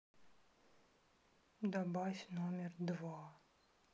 добавь номер два